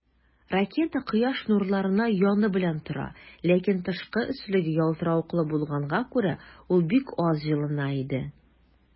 Ракета Кояш нурларына яны белән тора, ләкин тышкы өслеге ялтыравыклы булганга күрә, ул бик аз җылына иде.